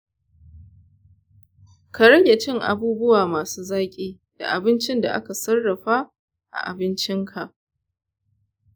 ka rage cin abubuwa masu zaki da abincin da aka sarrafa a abincinka.